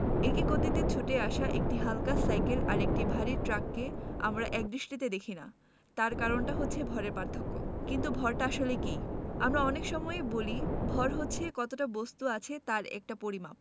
একই গতিতে ছুটে আসা একটা হালকা সাইকেল আর একটা ভারী ট্রাককে আমরা একদৃষ্টিতে দেখি না তার কারণটা হচ্ছে ভরের পার্থক্য কিন্তু ভরটা আসলে কী আমরা অনেক সময়েই বলি ভর হচ্ছে কতটা বস্তু আছে তার একটা পরিমাপ